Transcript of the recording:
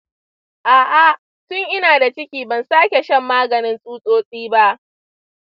a’a, tun ina da ciki ban sake shan maganin tsutsotsi ba.